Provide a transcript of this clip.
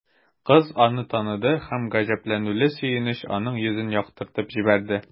Кыз аны таныды һәм гаҗәпләнүле сөенеч аның йөзен яктыртып җибәрде.